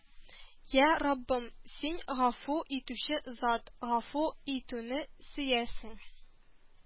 Йә, Раббым, Син Гафу Итүче Зат, гафу итүне сөясең